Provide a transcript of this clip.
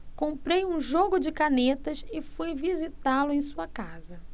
comprei um jogo de canetas e fui visitá-lo em sua casa